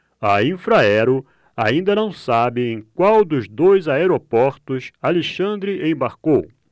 a infraero ainda não sabe em qual dos dois aeroportos alexandre embarcou